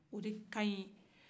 o de kaɲi